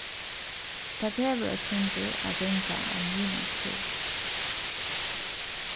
tað krevur eitt sindur at ganga á miðnámsskúla